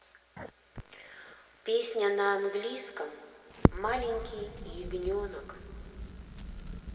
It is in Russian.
песня на английском маленький ягненок